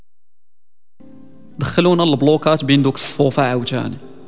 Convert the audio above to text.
بخلوا البلوكات بين بوكس